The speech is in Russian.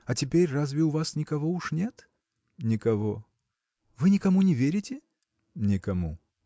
а теперь разве у вас никого уж нет? – Никого!. – Вы никому не верите? – Никому.